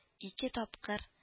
Ике тапкыр